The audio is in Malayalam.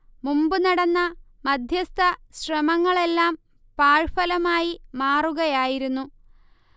മുമ്പ് നടന്ന മധ്യസ്ഥ ശ്രമങ്ങളെല്ലാം പാഴഫലമായി മാറുകയായിരുന്നു